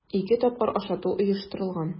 Ике тапкыр ашату оештырылган.